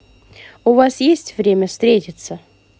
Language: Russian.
у вас есть время встретиться